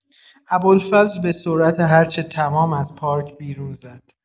ابوالفضل به‌سرعت هرچه تمام از پارک بیرون زد.